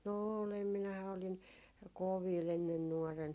no olen minähän olin kovilla ennen nuorena